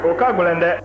o ka gɛlɛn dɛ